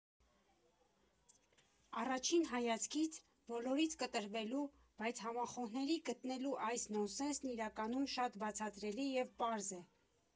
Առաջին հայացքից՝ բոլորից կտրվելու, բայց համախոհների գտնելու այս նոնսենսն իրականում շատ բացատրելի և պարզ է։